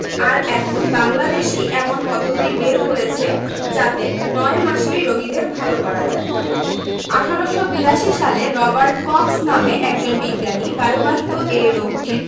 আর এখন বাংলাদেশই এমন পদ্ধতি বের করেছে যাতে ৯ মাসেই রোগীদের ভালো করা যায় ১৮৮২ সালে রবার্ট কক্স নামে একজন বিজ্ঞানী বায়ুবাহিত এ রোগটির